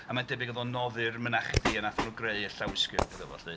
A mae'n debyg oedd o'n noddi'r mynachdy a wnaethon nhw greu y llawysgrif iddo fo 'lly.